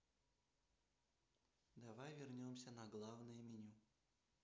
давай вернемся на главное меню